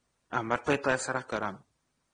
A ma'r bleidlais ar agor rŵan.